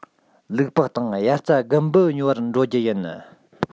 ལུག པགས དང དབྱར རྩྭ དགུན འབུ ཉོ བར འགྲོ རྒྱུ ཡིན